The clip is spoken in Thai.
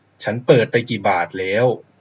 ฉันเปิดไปกี่บาทแล้ว